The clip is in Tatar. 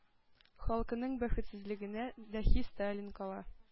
Халкының бәхетсезлегенә, “даһи” сталин кала.